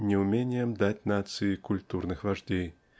неумением дать нации культурных вождей.